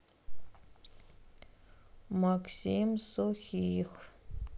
максим сухих